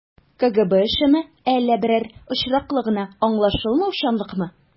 КГБ эшеме, әллә берәр очраклы гына аңлашылмаучанлыкмы?